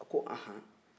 a ko anhan